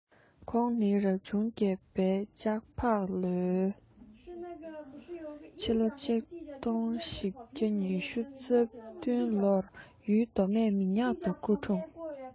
ཁོང ནི རབ བྱུང བརྒྱད པའི ལྕགས ཕག ཕྱི ལོ ༡༤༩༡ ལོར ཡུལ མདོ སྨད མི ཉག ཏུ སྐུ འཁྲུངས